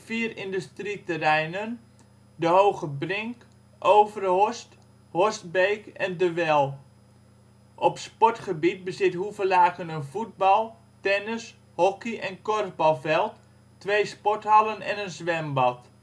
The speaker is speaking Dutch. industrieterreinen: De Hogebrink, Overhorst, Horstbeek en De Wel. Op sportgebied bezit Hoevelaken een voetbal -, tennis -, hockey - en korfbalveld, twee sporthallen en een zwembad